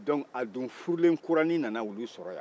dɔnki a dun furulenkurani nana olu sɔrɔ yan